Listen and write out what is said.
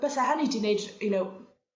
byse hynny 'di neud rh- you know